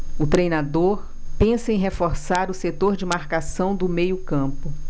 o treinador pensa em reforçar o setor de marcação do meio campo